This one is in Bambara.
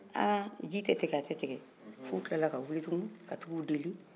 aa ji tɛ tigɛ a tɛ tigɛ fo u tilala ka wuli ka taga u deli